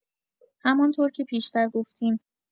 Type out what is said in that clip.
همان‌طور که پیش‌تر گفتیم